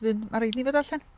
Wedyn, ma'n rhaid i ni fod allan.